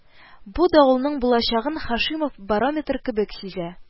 Бу давылның булачагын Һашимов барометр кебек сизә